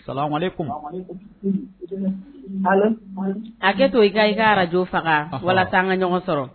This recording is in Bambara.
Ko a tɛ to i ka i ka araj faga wala tan an ka ɲɔgɔn sɔrɔ